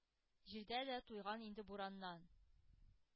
Җир дә туйган инде бураннан.